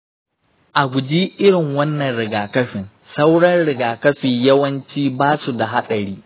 a guji irin wannan rigakafin. sauran rigakafi yawanci ba su da haɗari.